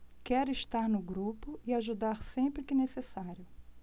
quero estar no grupo e ajudar sempre que necessário